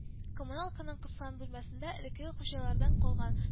Коммуналканың кысан бүлмәсендә элеккеге хуҗалардан калган